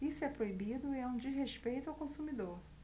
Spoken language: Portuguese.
isso é proibido e é um desrespeito ao consumidor